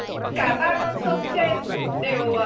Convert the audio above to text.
cả ba con sông trên đều